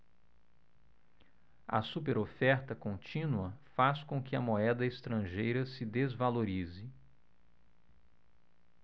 a superoferta contínua faz com que a moeda estrangeira se desvalorize